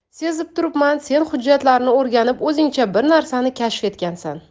sezib turibman sen hujjatlarni o'rganib o'zingcha bir narsani kashf etgansan